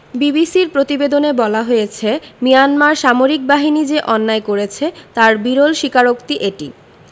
বিবিসির প্রতিবেদনে বলা হয়েছে মিয়ানমার সামরিক বাহিনী যে অন্যায় করেছে তার বিরল স্বীকারোক্তি এটি